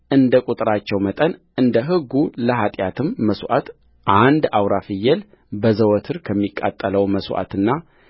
እንደ ቍጥራቸው መጠን እንደ ሕጉለኃጢአትም መሥዋዕት አንድ አውራ ፍየል በዘወትር ከሚቃጠለው መሥዋዕትና